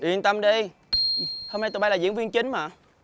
yên tâm đi hôm nay tụi bay là diễn viên chính mà